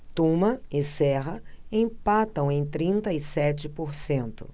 tuma e serra empatam em trinta e sete por cento